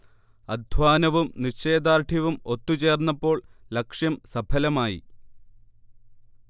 അധ്വാനവും നിശ്ചയദാർഢ്യവും ഒത്തു ചേർന്നപ്പോൾ ലക്ഷ്യം സഫലമായി